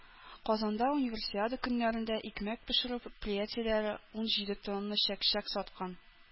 Казанда Универсиада көннәрендә икмәк пешерү предприятиеләре ун җиде тонна чәк-чәк саткан.